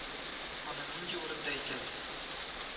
Аны нинди урында әйтәбез